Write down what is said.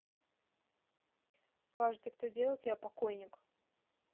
каждый кто делал тебя покойник